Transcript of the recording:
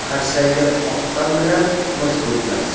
xarsangga qoqqan bilan mix o'tmas